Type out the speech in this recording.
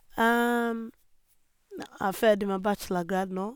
Jeg er ferdig med bachelorgrad nå.